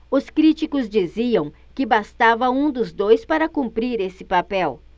os críticos diziam que bastava um dos dois para cumprir esse papel